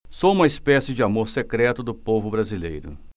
sou uma espécie de amor secreto do povo brasileiro